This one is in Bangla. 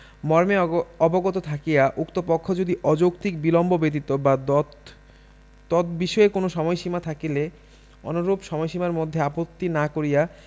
মর্মে অবগত থাকিয়া উক্ত পক্ষ যদি অযৌক্তিক বিলম্ব ব্যতীত বা দতবিষয়ে কোন সময়সীমা থাকিলে অনুরূপ সময়সীমার মধ্যে আপত্তি না করিয়া